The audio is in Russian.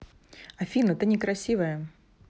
афина ты некрасивая